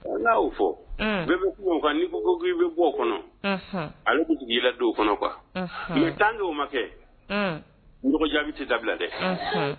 N'o fɔ bɛɛ bɛ k n' npogo i bɛ bɔ o kɔnɔ a dugula don o kɔnɔ qu nin bɛ tan di o ma kɛ mɔgɔ jaabibi tɛ dabila dɛ